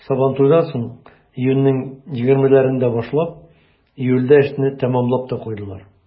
Сабантуйдан соң, июньнең 20-ләрендә башлап, июльдә эшне тәмамлап та куйдылар.